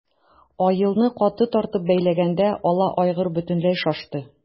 Аелны каты тартып бәйләгәндә ала айгыр бөтенләй шашты.